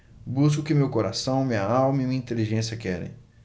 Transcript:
busco o que meu coração minha alma e minha inteligência querem